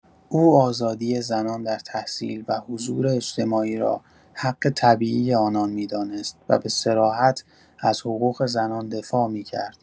او آزادی زنان در تحصیل و حضور اجتماعی را حق طبیعی آنان می‌دانست و به صراحت از حقوق زنان دفاع می‌کرد.